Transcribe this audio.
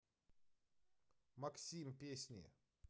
максим песни